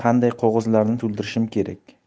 qanday qog'ozlarni to'ldirishim kerak